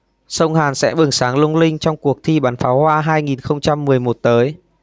sông hàn sẽ bừng sáng lung linh trong cuộc thi bắn pháo hoa hai nghìn không trăm mười một tới